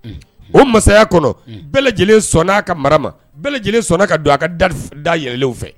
O masaya kɔnɔ bɛɛ lajɛlen sɔnna a ka mara bɛɛ lajɛlen a ka don a ka da da yɛlɛlen fɛ